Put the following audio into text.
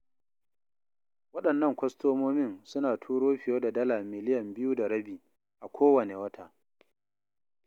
Waɗannan kwastomomin suna turo fiye da Dala miliyan 2.5 a kowane wata.